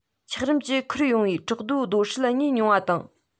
འཁྱགས རོམ གྱིས ཁུར འོངས པའི བྲག རྡོའི རྡོ ཧྲུག རྙེད མྱོང བ དང